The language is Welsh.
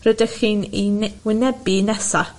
rydych chi'n i ei wynebu nesa.